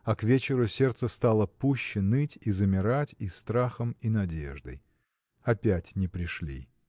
а к вечеру сердце стало пуще ныть и замирать и страхом и надеждой. Опять не пришли.